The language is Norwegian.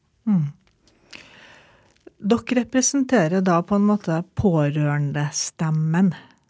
dere representerer da på en måte pårørendestemmen.